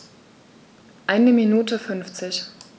Eine Minute 50